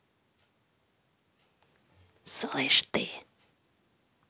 слышь ты